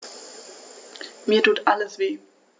Mir tut alles weh.